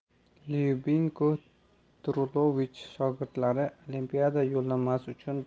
lyubinko drulovich shogirdlari olimpiada yo'llanmasi uchun